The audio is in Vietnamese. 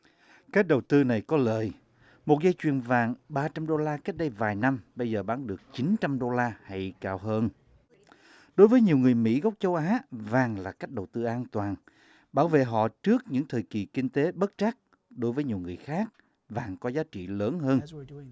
cách đầu tư này có lời một dây chuyền vàng ba trăm đô la cách đây vài năm bây giờ bán được chín trăm đô la hay cao hơn đối với nhiều người mỹ gốc châu á vàng là cách đầu tư an toàn bảo vệ họ trước những thời kỳ kinh tế bất trắc đối với nhiều người khác vàng có giá trị lớn hơn